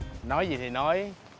nói gì thì nói